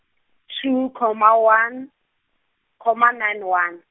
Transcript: two, comma one, comma nine one.